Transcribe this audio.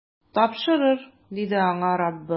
Тапшырыр, - диде аңа Раббы.